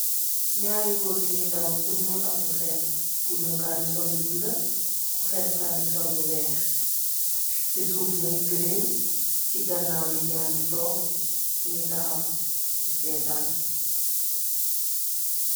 Naari goor mungi daxaw ku nuul ak ku xees, ku nuul yingi sol lu bulo, ku xees yingi sol weex. Ci suuf mungi girine , ci ganaw nitt yangi tog nii satan.